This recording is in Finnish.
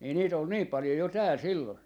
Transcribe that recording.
niin niitä oli niin paljon jo täällä silloin